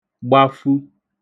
gbafu